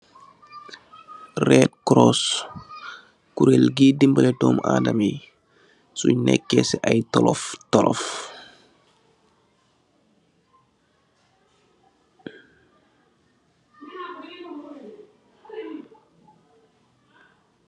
Reed koroos, kurel giy dimbale doom Adama yi suñge nekee si ay tolof tolof.